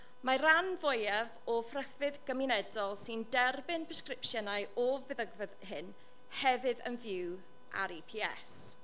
Mae ran fwyaf o fferyllfydd gymunedol sy'n derbyn presgripsiynau o feddygfydd hyn hefyd yn fyw ar EPS.